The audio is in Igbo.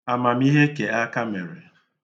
àmàmihe kèakamèrè